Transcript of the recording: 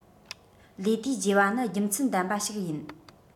ལས དུས བརྗེ བ ནི རྒྱུ མཚན ལྡན པ ཞིག ཡིན